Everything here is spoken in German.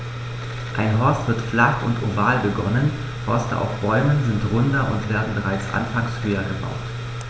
Ein Horst wird flach und oval begonnen, Horste auf Bäumen sind runder und werden bereits anfangs höher gebaut.